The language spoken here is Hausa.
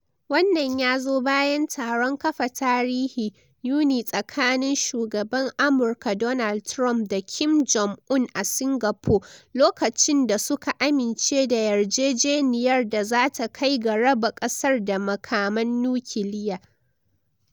Wannan ya zo bayan taron kafa tarihi Yuni tsakanin shugaban Amurka Donald Trump da Kim Jong-un a Singapore, lokacin da suka amince da yarjejeniyar da za ta kai ga raba kasar da makaman nukiliya.